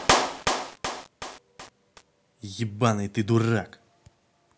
ебаный ты дурак